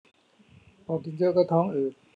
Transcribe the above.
พอกินเยอะก็ท้องอืด